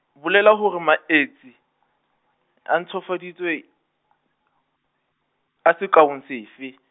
bolela hore maetsi , a ntshofaditswe-, a sekaong sefe.